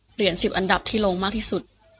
เหรียญสิบอันดับที่ลงมากที่สุด